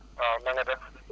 waaw na nga def